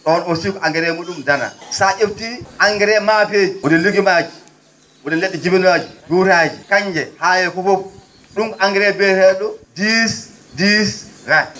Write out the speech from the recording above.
on aussi ko engrais muu?um dana so a ?etti engrais maafeeji woni légumes aji woni le??e jibinooje duuraaje kannje haa e fof fof ?um ko engrais biyetee?o 10 10 20